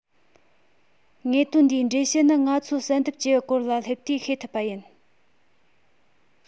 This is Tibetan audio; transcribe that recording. དངོས དོན འདིའི འགྲེལ བཤད ནི ང ཚོ བསལ འདེམས ཀྱི སྐོར ལ སླེབས དུས ཤེས ཐུབ པ ཡིན